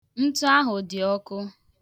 Ntụ ahụ dị ọkụ.